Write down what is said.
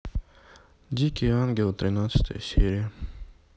дикий ангел тринадцатая серия